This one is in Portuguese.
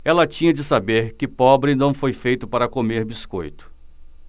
ela tinha de saber que pobre não foi feito para comer biscoito